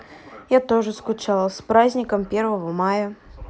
я тоже скучал с праздником первого мая